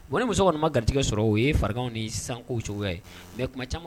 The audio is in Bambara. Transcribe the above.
Wa ni muso kɔnɔ ma garijɛgɛ sɔrɔ o ye faraw ni sisan o cogoya ye mɛ kuma caman